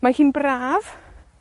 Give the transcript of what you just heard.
Mae hi'n braf.